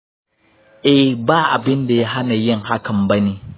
eh, ba abin da ya hana yin hakan ba ne.